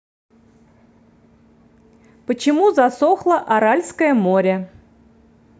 почему засохло аральское море